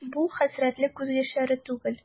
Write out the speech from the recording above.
Бу хәсрәтле күз яшьләре түгел.